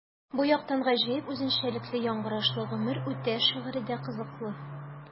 Бу яктан гаҗәеп үзенчәлекле яңгырашлы “Гомер үтә” шигыре дә кызыклы.